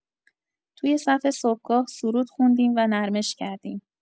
توی صف صبحگاه سرود خوندیم و نرمش کردیم.